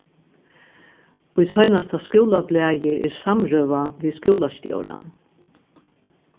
í seinasta skúlablaði er samrøða við skúlastjóran